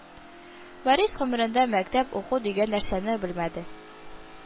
Борис гомерендә мәктәп, уку дигән нәрсәне белмәде